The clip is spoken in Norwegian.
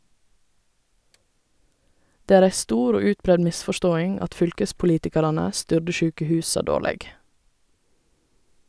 Det er ei stor og utbreidd misforståing at fylkespolitikarane styrde sjukehusa dårleg.